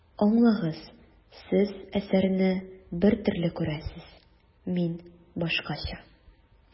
Аңлагыз, Сез әсәрне бер төрле күрәсез, мин башкача.